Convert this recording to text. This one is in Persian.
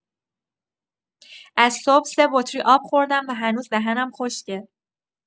از صبح سه بطری آب خوردم و هنوز دهنم خشکه.